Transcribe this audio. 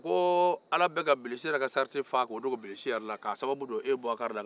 a ko ala bɛ ka bilisi yɛrɛ ka sarati fa k'o dogo bilisi yɛrɛ la k'o sababu don e bubakari la